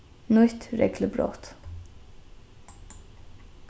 nýtt reglubrot